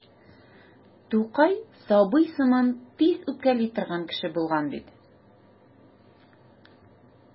Тукай сабый сыман тиз үпкәли торган кеше булган бит.